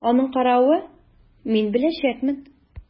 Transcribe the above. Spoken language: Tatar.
Аның каравы, мин беләчәкмен!